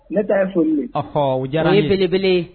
Ne t' fo a fɔ diyara ni belebele